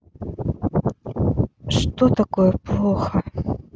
что такое плохо